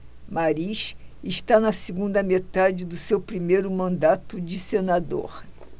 mariz está na segunda metade do seu primeiro mandato de senador